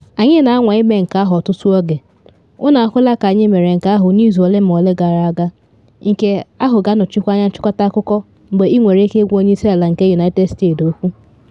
Anyị na anwa ịme nke ahụ ọtụtụ oge, unu ahụla ka anyị mere nke ahụ n’izu ole ma ole gara aga, nke ahụ ga-anọchikwa nchịkọta akụkọ mgbe ị nwere ike ịgwa onye isi ala nke United States okwu.”